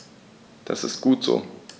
Das ist gut so.